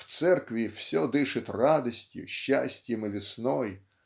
В церкви все дышит радостью, счастьем и весной